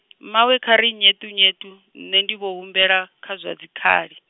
mmawe kha ri nyeṱunyeṱu, nṋe ndi vho humbela, kha zwa dzikhali.